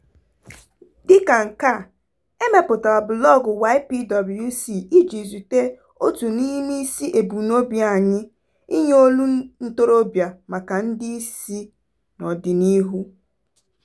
Dịka nke a, e mepụtara blọọgụ YPWC iji zute otu n'ime isi ebumnobi anyị: inye "olu ntorobịa" maka ndị isi n'ọdịnihu.